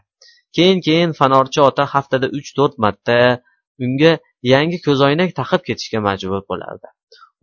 keyin keyin fanorchi ota haftada uch to'rt marta unga yangi ko'zoynak taqib ketishga majbur bo'lardi